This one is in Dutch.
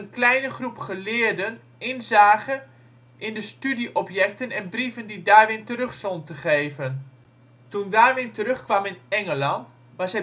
kleine groep geleerden inzage in de studie-objecten en brieven die Darwin terugzond te geven. Toen Darwin terugkwam in Engeland, was